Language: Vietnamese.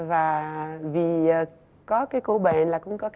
và vì có cái cô bạn là cũng có